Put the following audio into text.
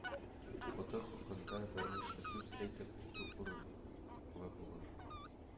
Фаты хакында берничә сүз әйтеп китү урынлы булыр